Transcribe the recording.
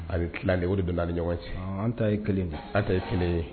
A bɛ tila de o de donna' ni ɲɔgɔn cɛ an ta ye kelen ye an ta ye kelen ye